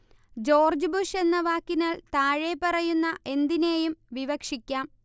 George Bush എന്ന വാക്കിനാൽ താഴെപ്പറയുന്ന എന്തിനേയും വിവക്ഷിക്കാം